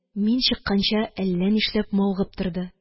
Мин чыкканча әллә нишләп мавыгып торды.